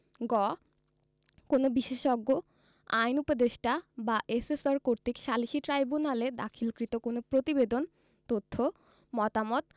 গ কোন বিশেষজ্ঞ আইন উপদেষ্টা বা এসেসর কর্তৃক সালিসী ট্রাইব্যুনালে দাখিলকৃত কোন প্রতিবেদন তথ্য মতামত